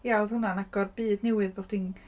Ia, oedd hwnna'n agor byd newydd bod chdi'n...